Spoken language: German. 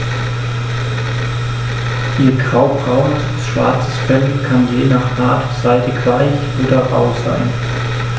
Ihr graubraunes bis schwarzes Fell kann je nach Art seidig-weich oder rau sein.